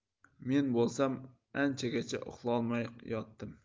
men bo'lsam anchagacha uxlolmay yotdim